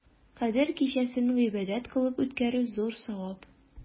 Кадер кичәсен гыйбадәт кылып үткәрү зур савап.